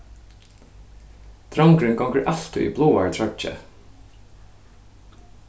drongurin gongur altíð í bláari troyggju